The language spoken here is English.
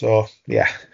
So, ia.